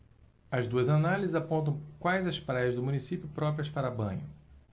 as duas análises apontam quais as praias do município próprias para banho